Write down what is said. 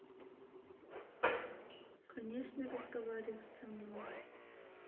конечно разговаривать со мной